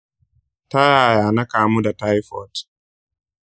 ta yaya na kamu da taifoid?